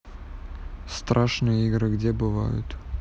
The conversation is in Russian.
страшные игры где бывают